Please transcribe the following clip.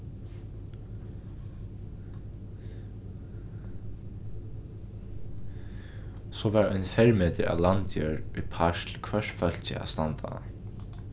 so var ein fermetur av landjørð í part til hvørt fólkið at standa á